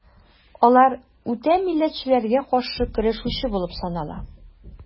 Алар үтә милләтчеләргә каршы көрәшүче булып санала.